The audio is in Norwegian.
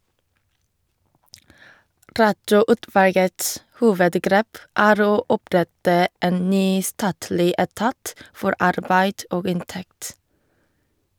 Rattsøutvalgets hovedgrep er å opprette en ny statlig etat for arbeid og inntekt.